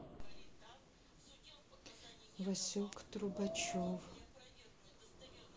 васек трубачев